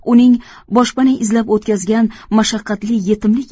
uning boshpana izlab o'tkazgan mashaqqatli yetimlik